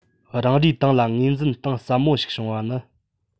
རང རེའི ཏང ལ ངོས འཛིན གཏིང ཟབ མོ ཞིག བྱུང བ ནི